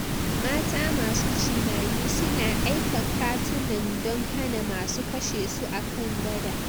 Mata masu jimami su na aika katunan don hana masu kashe su akan gada